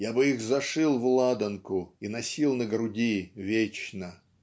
я бы их зашил в ладанку и носил на груди вечно".